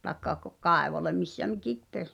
tai - kaivolle missä mikin pesi